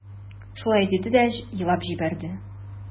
Шулай диде дә елап та җибәрде.